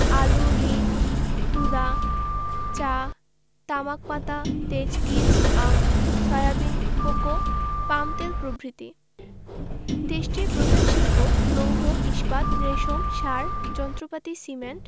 আলু রীট তুলা চা তামাক পাতা তেলবীজ আখ সয়াবিন কোকো পামতেল প্রভৃতি দেশটির প্রধান শিল্প লৌহ ইস্পাত রেশম সার যন্ত্রপাতি সিমেন্ট